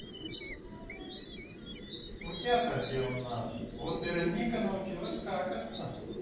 утята где у нас вот вероника научилась какаться